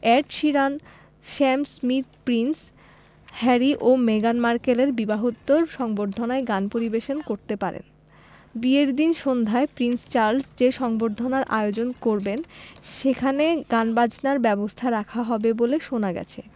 add Sheeran Sam Smith Prince Harry ও মেগান মার্কেলের বিবাহোত্তর সংবর্ধনায় গান পরিবেশন করতে পারেন বিয়ের দিন সন্ধ্যায় প্রিন্স চার্লস যে সংবর্ধনার আয়োজন করবেন সেখানে গানবাজনার ব্যবস্থা রাখা হবে বলে শোনা গেছে